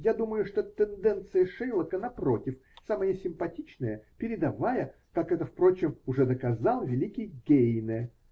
я думаю, что тенденция "Шейлока", напротив, самая симпатичная, передовая, как это, впрочем, уже доказал великий Гейне